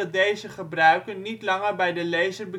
deze gebruiken niet langer bij de lezer